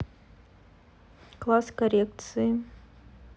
класс коррекции